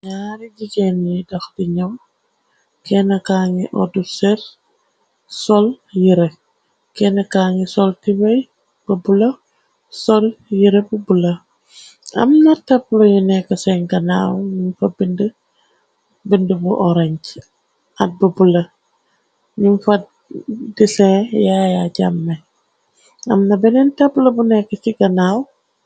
Nyaari jigéen yi dox di ñëw kenn kaa ngi odu sër. Sol yira kenn ka ngi sol tibey ba bula sol yira bi bula. Am na tapplo yu nekk seen ganaaw u fa bind bu orance. Ak ba bula ñum fat diseen yaaya jàmme amna benneen tapla bu nekk ci ganaaw.